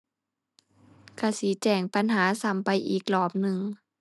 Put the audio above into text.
ก็สิแจ้งปัญหาซ้ำไปอีกรอบหนึ่ง